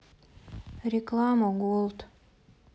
реклама голд